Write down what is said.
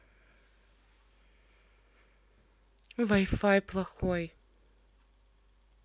вай фай плохой